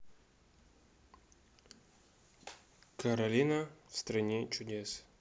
каролина в стране чудес